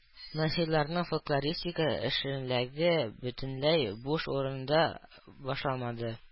Насыйриның фольклористик эшчәнлеге бөтенләй буш урында башланмады